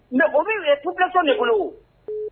mais o bɛ minɛ population de bolo wo.